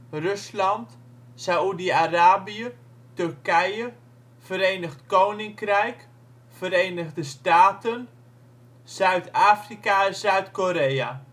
Rusland Saoedi-Arabië Turkije Verenigd Koninkrijk Verenigde Staten Zuid-Afrika Zuid-Korea